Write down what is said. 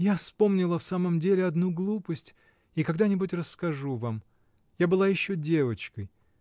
— Я вспомнила в самом деле одну глупость и когда-нибудь расскажу вам. Я была еще девочкой.